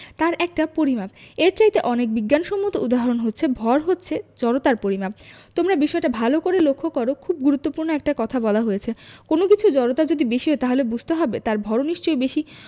তার একটা পরিমাপ এর চাইতে অনেক বিজ্ঞানসম্মত উদাহরণ হচ্ছে ভর হচ্ছে জড়তার পরিমাপ তোমরা বিষয়টা ভালো করে লক্ষ করো খুব গুরুত্বপূর্ণ একটা কথা বলা হয়েছে কোনো কিছুর জড়তা যদি বেশি হয় তাহলে বুঝতে হবে তার ভরও নিশ্চয়ই বেশি